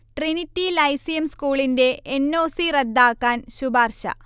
Trinity Lyceum സ്കൂളിന്റെ N. O. C റദ്ദാക്കാൻ ശുപാർശ